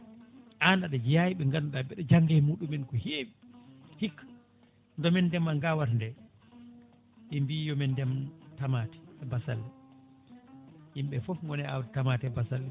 an aɗa jeeya eɓe ganduɗa mbeɗa jangga e muɗumen ko hewi hikka nde min ndemata gawata nde ɓe mbi yomin ndem ndeem tamate e basalle yimɓe foof gone awde tamate e basalle